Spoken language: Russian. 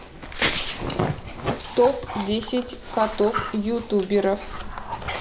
топ десять котов ютуберов